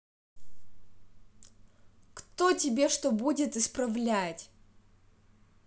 кто тебе что будет исправлять